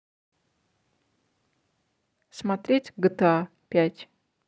смотреть гта пять